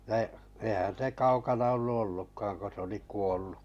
no eihän se kaukana ollut ollutkaan kun se oli kuollut